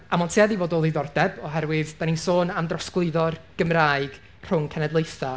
A mae'n tueddu i fod o ddiddordeb oherwydd dan ni'n sôn am drosglwyddo'r Gymraeg rhwng cenedlaethau.